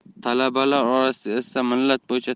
talablar orasida esa millat bo'yicha